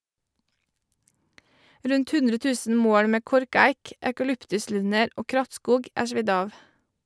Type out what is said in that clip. Rundt 100.000 mål med korkeik, eukalyptuslunder og krattskog er svidd av.